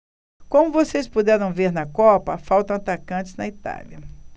como vocês puderam ver na copa faltam atacantes na itália